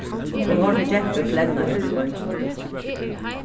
hon hoyrdi gentur flenna úti í gongini